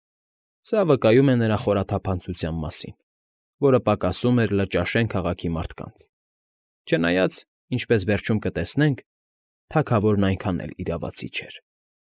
Սա վկայում էր նրա խորաթափանցության մասին, որը պակասում էր Լճաշեն քաղաքի մարդկանց, չնայած, ինչպես վերջում կտեսնենք, թագավորն այնքան էլ իրավացի չէր։